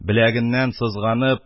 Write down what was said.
Беләгеннән сызганып,